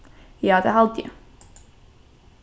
ja tað haldi eg